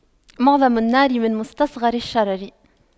معظم النار من مستصغر الشرر